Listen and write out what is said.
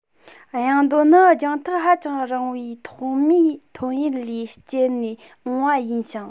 གཡེང རྡོ ནི རྒྱང ཐག ཧ ཅང རིང བའི ཐོག མའི ཐོན ཡུལ ལས བསྐྱལ ནས འོངས པ ཡིན ཞིང